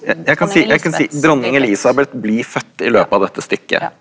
jeg kan si jeg kan si dronning Elizabeth blir født i løpet av dette stykket.